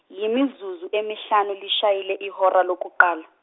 yimizuzu emihlanu lishayile ihora lokuqala.